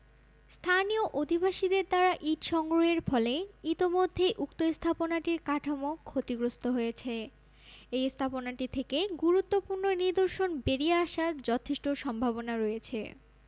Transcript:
স্থানীয় অধিবাসীদের দ্বারা ইট সংগ্রহের ফলে ইতোমধ্যেই উক্ত স্থাপনাটির কাঠামো ক্ষতিগ্রস্ত হয়েছে এই স্থাপনাটি থেকে গুরুত্বপূর্ণ নিদর্শন বেরিয়ে আসার যথেষ্ট সম্ভাবনা রয়েছে